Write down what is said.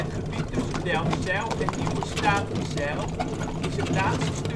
gebied tussen Delfzijl en Nieuwe Statenzijl is het laatste